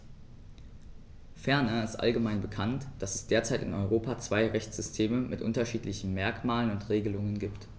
Ferner ist allgemein bekannt, dass es derzeit in Europa zwei Rechtssysteme mit unterschiedlichen Merkmalen und Regelungen gibt.